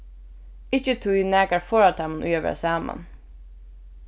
ikki tí nakar forðar teimum í at vera saman